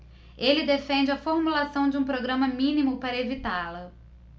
ele defende a formulação de um programa mínimo para evitá-la